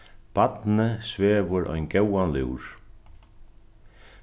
barnið svevur ein góðan lúr